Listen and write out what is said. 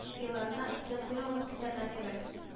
Ояларына өстерәп кенә алып китәрләр кебек